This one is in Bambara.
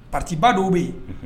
Patiba dɔw bɛ yen